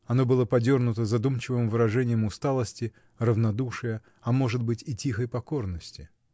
Оно было подернуто задумчивым выражением усталости, равнодушия, а может быть, и тихой покорности.